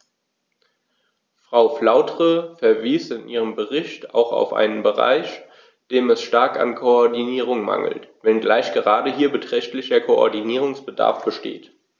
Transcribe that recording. Frau Flautre verwies in ihrem Bericht auch auf einen Bereich, dem es stark an Koordinierung mangelt, wenngleich gerade hier beträchtlicher Koordinierungsbedarf besteht.